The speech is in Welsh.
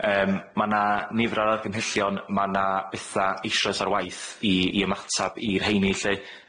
Yym, ma' 'na nifer o'r argymhellion, ma' 'na betha eisoes ar waith i i ymatab i'r rheini lly.